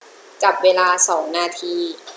จับเวลาสองนาที